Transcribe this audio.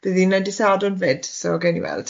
bydd hi'n yy dydd Sadwrn fyd, so gawn ni weld.